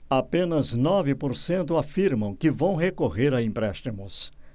apenas nove por cento afirmam que vão recorrer a empréstimos